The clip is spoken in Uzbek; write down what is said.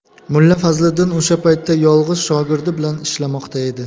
mulla fazliddin o'sha paytda yolg'iz shogirdi bilan ishlamoqda edi